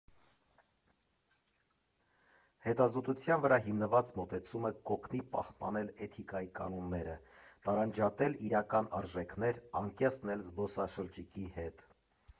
Հետազոտության վրա հիմնված մոտեցումը կօգնի պահպանել էթիկայի կանոնները, տարանջատել իրական արժեքներ, անկեղծ լինել զբոսաշրջիկի հետ։